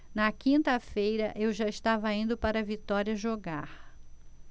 na quinta-feira eu já estava indo para vitória jogar